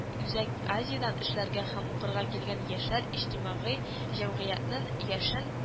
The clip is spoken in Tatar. Үзәк Азиядән эшләргә һәм укырга килгән яшьләр иҗтимагый җәмгыятен яшен